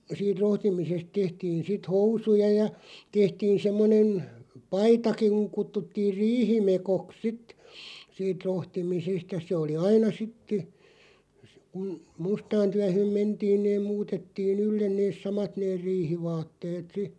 siitä rohtimisesta tehtiin sitten housuja ja tehtiin semmoinen paitakin kun kutsuttiin riihimekot sitten siitä rohtimisesta ja se oli aina sitten kun mustaan työhön mentiin ne muutettiin ylle ne samat ne riihivaatteet sitten